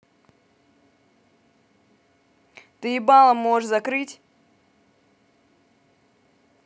ты ебало можешь закрыть